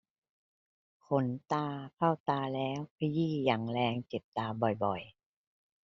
ขนตาเข้าตาแล้วขยี้อย่างแรงเจ็บตาบ่อยบ่อย